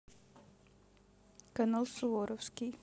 канал суворовский